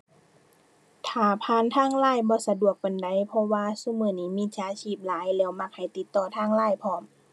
ถ้าผ่านทาง LINE บ่สะดวกปานใด เพราะว่าซุมื้อนี้มิจฉาชีพหลายแล้วมักให้ติดต่อทาง LINE พร้อม